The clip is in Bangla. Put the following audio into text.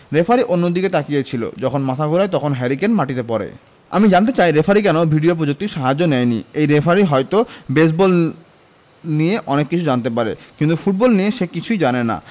রেফারি অন্যদিকে তাকিয়ে ছিল যখন মাথা ঘোরায় তখন হ্যারি কেইন মাটিতে পড়ে আমি জানতে চাই রেফারি কেন ভিডিও প্রযুক্তির সাহায্য নেয়নি এই রেফারি হয়তো বেসবল নিয়ে অনেক কিছু জানতে পারে কিন্তু ফুটবল নিয়ে সে কিছুই জানে না